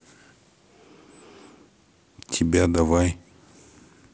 тебя давай